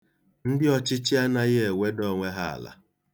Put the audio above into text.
Ndị ọchịchị anaghị eweda onwe ha ala.